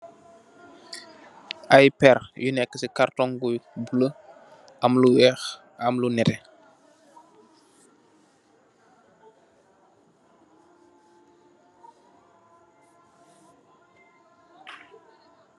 Ay pér yu nekë si kartoñ gu bulo, am lu weex, am lu nette.